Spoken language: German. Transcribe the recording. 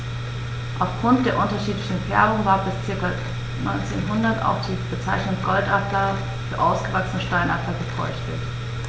Auf Grund der unterschiedlichen Färbung war bis ca. 1900 auch die Bezeichnung Goldadler für ausgewachsene Steinadler gebräuchlich.